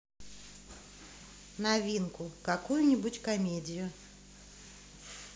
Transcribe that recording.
новинку какую нибудь комедию